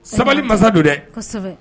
Sabali masa don dɛ! Kɔsɛbɛ.